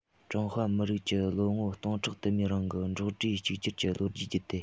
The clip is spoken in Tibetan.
ཀྲུང ཧྭ མི རིགས ཀྱི ལོ ངོ སྟོང ཕྲག དུ མའི རིང གི འགྲོགས འདྲིས གཅིག གྱུར གྱི ལོ རྒྱུས བརྒྱུད དེ